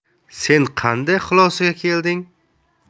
sen qanday xulosaga kelding